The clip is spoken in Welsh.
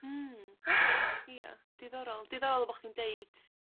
Hmm ocê ia diddorol diddorol bo' chdi'n deud